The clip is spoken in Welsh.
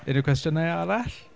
Unrhyw cwestiynau arall?